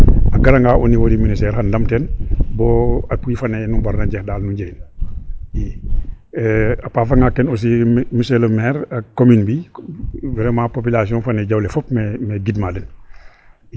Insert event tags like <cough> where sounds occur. A garanga au nivau du ministere xan a ndam teen bo <unintelligible> i a faafanga ten aussi monsieur le maire ak commune bi vraiment population fa ne Djawlé fop maxey gidma den.